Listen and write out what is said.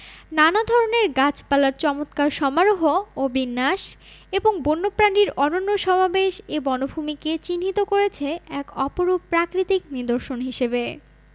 নানা ধরনের গাছপালার চমৎকার সমারোহ ও বিন্যাস এবং বন্যপ্রাণীর অনন্য সমাবেশ এ বনভূমিকে চিহ্নিত করেছে এক অপরূপ প্রাকৃতিক নিদর্শন হিসেবে